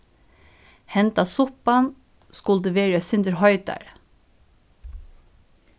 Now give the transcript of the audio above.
henda suppan skuldi verið eitt sindur heitari